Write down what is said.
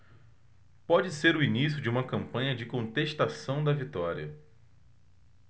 pode ser o início de uma campanha de contestação da vitória